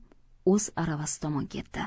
o'z aravasi tomon ketdi